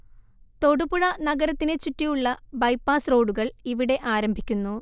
തൊടുപുഴ നഗരത്തിനെ ചുറ്റിയുള്ള ബൈപാസ് റോഡുകൾ ഇവിടെ ആരംഭിക്കുന്നു